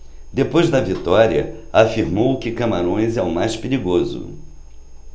depois da vitória afirmou que camarões é o mais perigoso